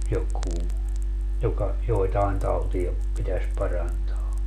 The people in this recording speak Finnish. joku joka joitain tauteja pitäisi parantaa